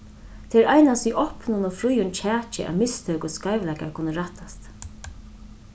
tað er einans í opnum og fríum kjaki at mistøk og skeivleikar kunnu rættast